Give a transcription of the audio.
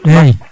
eyyi